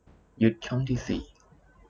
ยึดช่องที่สี่